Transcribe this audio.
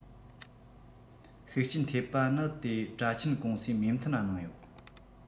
ཤུགས རྐྱེན ཐེབས པ ནི དེ དྲ ཆེན ཀུང སིའི མོས མཐུན གནང ཡོད